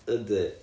yndy